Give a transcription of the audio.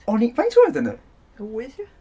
O'n i... faint oed o'n i? ... Wyth ia?